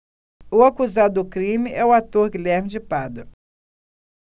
o acusado do crime é o ator guilherme de pádua